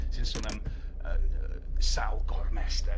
..sy'n sôn am yy sawl gormes de